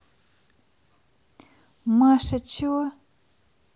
маша че